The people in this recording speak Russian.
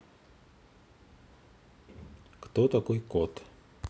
кто такой кот